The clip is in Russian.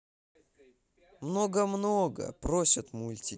много много поросят мультики